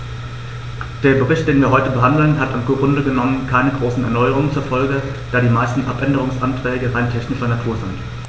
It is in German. Der Bericht, den wir heute behandeln, hat im Grunde genommen keine großen Erneuerungen zur Folge, da die meisten Abänderungsanträge rein technischer Natur sind.